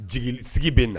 Jigi sigi bɛ na